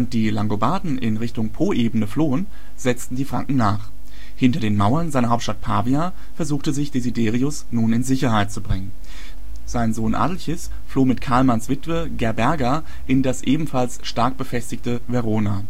die Langobarden in Richtung Poebene flohen, setzten die Franken nach. Hinter den Mauern seiner Hauptstadt Pavia versuchte sich Desiderius nun in Sicherheit zu bringen. Sein Sohn Adelchis floh mit Karlmanns Witwe Gerberga in das ebenfalls stark befestigte Verona